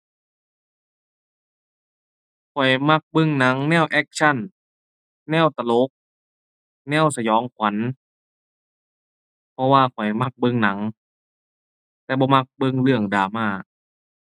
ข้อยมักเบิ่งหนังแนวแอกชัน แนวตลก แนวสยองขวัญ เพราะว่าข้อยมักเบิ่งหนัง แต่บ่มักเบิ่งเรื่องดรามา